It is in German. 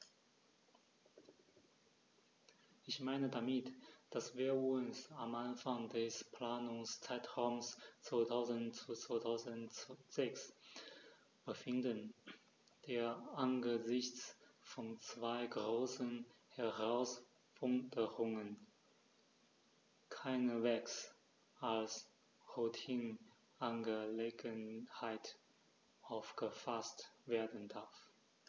Ich meine damit, dass wir uns am Anfang des Planungszeitraums 2000-2006 befinden, der angesichts von zwei großen Herausforderungen keineswegs als Routineangelegenheit aufgefaßt werden darf.